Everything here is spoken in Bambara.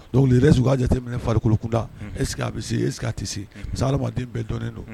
Dɔnkure s aa jateminɛ farikolokulukunda e sigi a bɛ se e a tɛ se parce ha adamadamaden bɛɛ dɔnnen don